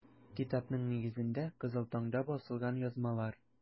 Китапның нигезендә - “Кызыл таң”да басылган язмалар.